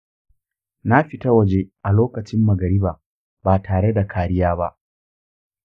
na fita waje a lokacin magariba ba tare da kariya ba.